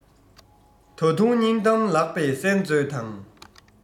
ད དུང སྙིང གཏམ ལགས པས གསན མཛོད དང